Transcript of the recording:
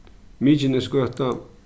mykinesgøta